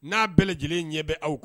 N'a bɛɛ lajɛlen ɲɛ bɛ aw kun